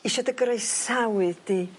isio dy groesawu di